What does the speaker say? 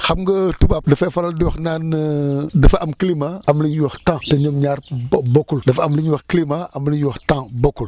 xam nga tubaab dafay faral di wax naan dafa am climat am lu ñuy wax temps te ñoom ñaar bo bokkul dafa am li ñuy wax climat am lu ñuy wax temps bokkul